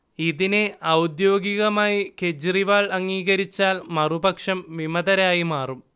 ഇതിനെ ഔദ്യോഗികമായി കെജ്രിവാൾ അംഗീകരിച്ചാൽ മറുപക്ഷം വിമതരായി മാറും